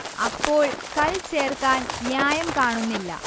അപ്പോൾ കൾ ചേർക്കാൻ ന്യായം കാണുന്നില്ല